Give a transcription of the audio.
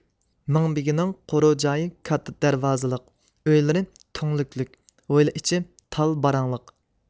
مىڭبېگىنىڭ قورۇ جايى كاتتا دەرۋازىلىق ئۆيلىرى تۈڭلۈڭلۈك ھويلا ئىچى تال باراڭلىق